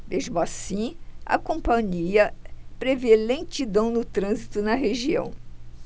mesmo assim a companhia prevê lentidão no trânsito na região